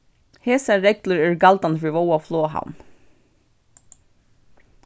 hesar reglur eru galdandi fyri vága floghavn